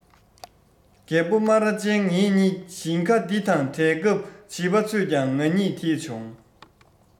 རྒད པོ སྨ ར ཅན ངེད གཉིས ཞིང ཁ འདི དང བྲལ སྐབས བྱིས པ ཚོས ཀྱང ང གཉིས དེད བྱུང